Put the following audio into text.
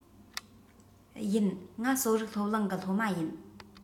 ཡིན ང གསོ རིག སློབ གླིང གི སློབ མ ཡིན